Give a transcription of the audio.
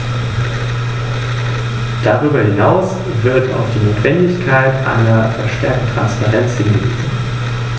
Anhand der Daten des sechsten Berichts wird deutlich, dass das regionale Gefälle in den letzten zehn Jahren erheblich zugenommen hat.